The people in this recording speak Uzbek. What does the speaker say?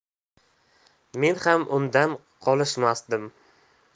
men ham undan qolishmasdim